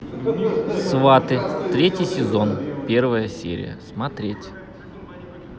сваты третий сезон первая серия смотреть